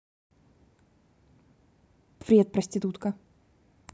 привет проститутка